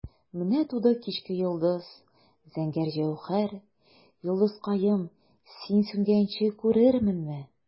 Менә туды кичке йолдыз, зәңгәр җәүһәр, йолдызкаем, син сүнгәнче күрерменме?